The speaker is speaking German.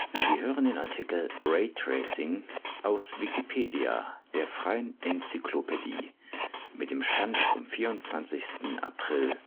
Sie hören den Artikel Raytracing, aus Wikipedia, der freien Enzyklopädie. Mit dem Stand vom Der